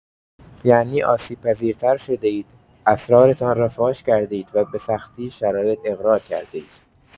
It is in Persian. یعنی آسیب‌پذیرتر شده‌اید، اسرارتان را فاش کرده‌اید و به‌سختی شرایط اقرار کرده‌اید.